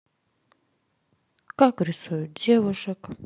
как рисуют девушек